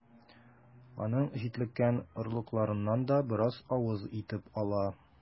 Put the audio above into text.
Аның җитлеккән орлыкларыннан да бераз авыз итеп ала.